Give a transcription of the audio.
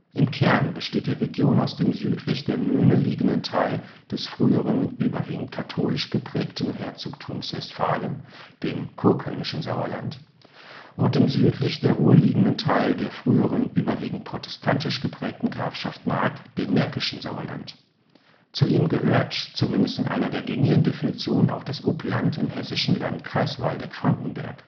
Im Kern besteht die Region aus dem südlich der Möhne liegenden Teil des früheren, überwiegend katholisch geprägten Herzogtums Westfalen (kurkölnisches Sauerland) und dem südlich der Ruhr liegenden Teil der früheren, überwiegend protestantisch geprägten Grafschaft Mark (märkisches Sauerland). Zu ihm gehört, zumindest in einer der gängigen Definitionen, auch das Upland im hessischen Landkreis Waldeck-Frankenberg